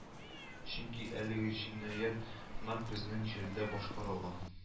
Чөнки әлеге җинаять нәкъ безнең җирдә башкарылган